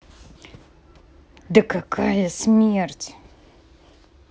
да какая смерть